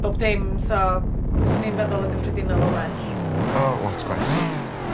bob dim so swn i'n feddwl yn gyffredinol yn well so... O lot gwell.